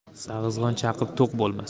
zag'izg'on chaqib to'q bo'lmas